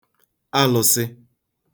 alụsị